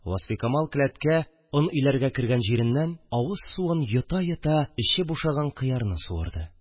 Васфикамал келәткә он иләргә кергән җиреннән, авыз суын йота-йота, эче бушаган кыярны суырды